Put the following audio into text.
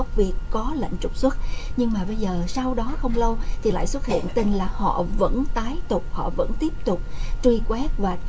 gốc việt có lệnh trục xuất nhưng mà bây giờ sau đó không lâu thì lại xuất hiện tin là họ vẫn tái tục họ vẫn tiếp tục truy quét và